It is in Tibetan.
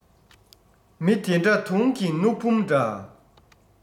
མི དེ འདྲ དུང གི སྣུག བུམ འདྲ